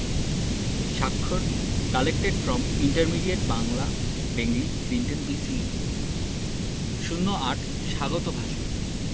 স্বাক্ষর collected from intermediate Bangla Bengali Clinton B Seely ০৮ স্বাগত ভাষণ